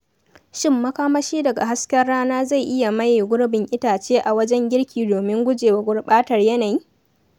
'Shin makamashi daga hasken rana zai iya maye gurbin itace a wajen girki domin guje wa gurɓatar yanayi?''